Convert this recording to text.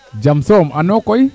jam soom ano koy